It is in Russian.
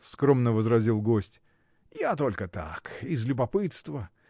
— скромно возразил гость, — я только так, из любопытства.